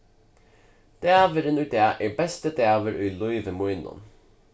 dagurin í dag er besti dagur í lívi mínum